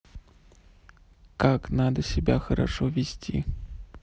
как надо себя хорошо вести